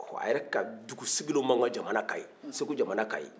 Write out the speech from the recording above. a yɛrɛ ka dugu sigilenw b'anw ka jamana kan ye segu jamana kan ye